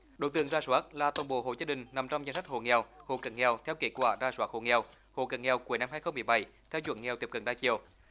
đối tượng rà soát là toàn bộ hộ gia đình nằm trong danh sách hộ nghèo hộ cận nghèo theo kết quả rà soát hộ nghèo hộ cận nghèo của năm hai không mười bảy theo chuẩn nghèo tiếp cận đa chiều